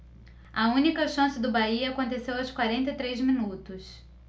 a única chance do bahia aconteceu aos quarenta e três minutos